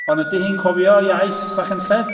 Ond ydy hi'n cofio iaith Machynlleth?